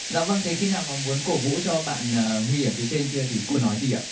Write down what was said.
dạ vâng thế khi nào mà muốn cổ vũ cho bạn à huy ở phía trên kia thì cô nói gì ạ